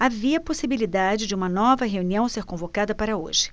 havia possibilidade de uma nova reunião ser convocada para hoje